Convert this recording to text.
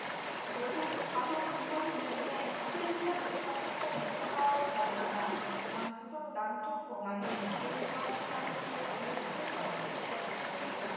결국 좌석 등받이 때문에 칠천 미터 상공에서 싸움을 벌이다가 장쑤성 난퉁공항에 비행기가 비상 착륙하는 소동까지 빚어졌습니다